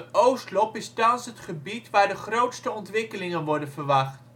Oostlob is thans het gebied waar de grootste ontwikkelingen worden verwacht